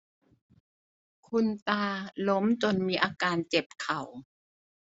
คุณตาล้มจนมีอาการเจ็บเข่า